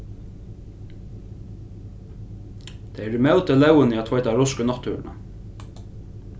tað er í móti lógini at tveita rusk í náttúruna